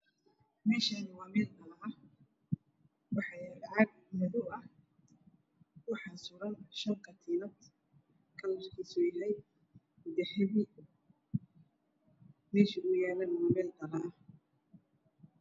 Meshaani waa meel dhala aha waxa ayala caag madow ah waxaa shan katiinad kalarkiisu uu yahay dahapi meesha uu yalo waa meel dhalo ah